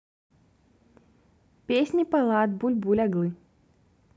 песни полад буль буль оглы